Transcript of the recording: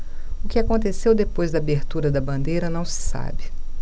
o que aconteceu depois da abertura da bandeira não se sabe